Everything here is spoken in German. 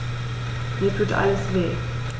Mir tut alles weh.